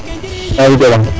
barikala